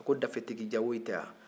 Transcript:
ko dafetigi jawoyi tɛ wa